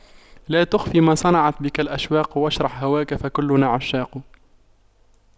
لا تخف ما صنعت بك الأشواق واشرح هواك فكلنا عشاق